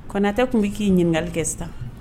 Kɔnatɛ kun bi k'i ɲininkali kɛ sisan.